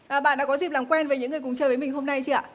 ờ bạn đã có dịp làm quen với những người cùng chơi với mình hôm nay chưa ạ